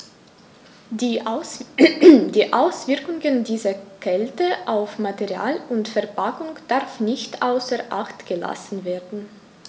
Die Auswirkungen dieser Kälte auf Material und Verpackung darf nicht außer acht gelassen werden.